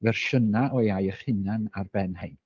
fersiynau o AI eich hunain ar ben rhain.